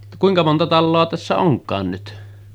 kuinka monta taloa tässä onkaan nyt